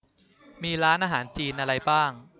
มีร้านอาหารจีนอะไรบ้าง